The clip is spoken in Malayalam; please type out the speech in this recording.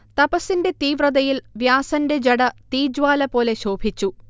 തപസ്സിന്റെ തീവ്രതയിൽ വ്യാസന്റെ ജട തീജ്വാലപോലെ ശോഭിച്ചു